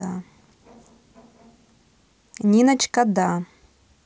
ниночка да